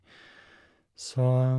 Så...